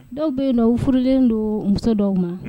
Dɔw bɛ yen nɔ furulen don muso dɔw ma